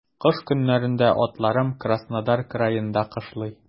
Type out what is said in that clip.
Кыш көннәрендә атларым Краснодар краенда кышлый.